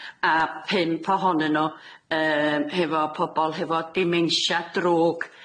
a pump ohonyn nw yym hefo pobol hefo dimensia drwg.